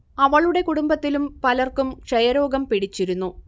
അവളുടെ കുടുംബത്തിലും പലർക്കും ക്ഷയരോഗം പിടിച്ചിരുന്നു